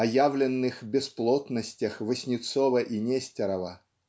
о явленных бесплотностях Васнецова и Нестерова.